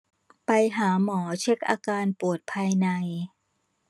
ไปหาหมอเช็คอาการปวดภายใน